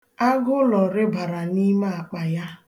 Agụụlọ rịbara n'ime akpa ya.